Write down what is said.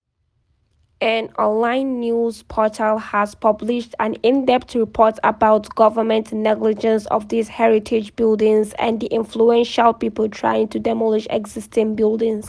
An online news portal has published an in-depth report about government negligence of these heritage buildings and the influential people trying to demolish existing buildings: